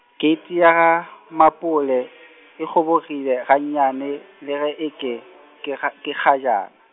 keiti ya gaMapole, e kgobogile gannyane le ge e ke ke kga-, ke kgajana.